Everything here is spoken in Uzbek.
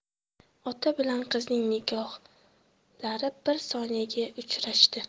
ota bilan qizning nigohlari bir soniyagina uchrashdi